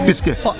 Pis ke,